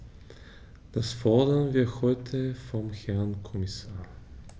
Das fordern wir heute vom Herrn Kommissar.